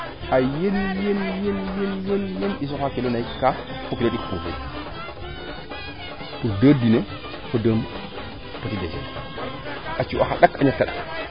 a yeŋ yeŋ yeŋ u soxa nga kilo naxiq kaaf fo kilo ɗik pursiin deux diyo fo deux a cuxa ɗak a ñakta ɗak